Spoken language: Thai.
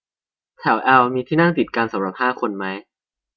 แถวแอลมีที่นั่งติดกันสำหรับห้าคนมั้ย